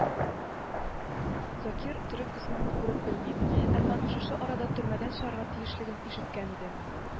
Закир Төрек Госманны күреп белми, әмма аның шушы арада төрмәдән чыгарга тиешлеген ишеткән иде